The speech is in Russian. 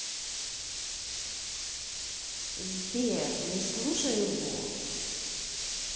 сбер не слушай его